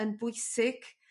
yn bwysig